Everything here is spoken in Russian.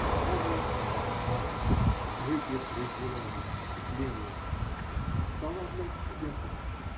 Собрание молчало: открытие произвело на них впечатление. Встала одна из студенток.